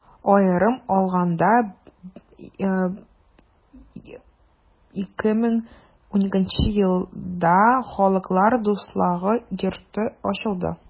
Аерым алаганда, 2012 нче елда Халыклар дуслыгы йорты ачылды.